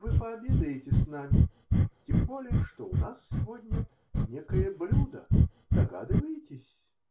Вы пообедаете с нами, тем более что у нас сегодня некое блюдо. Догадываетесь?